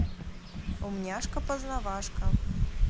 умняшка познавашка